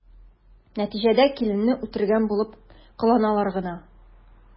Нәтиҗәдә киленне үтергән булып кыланалар гына.